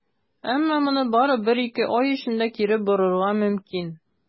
Әмма моны бары бер-ике ай эчендә кире борырга мөмкин.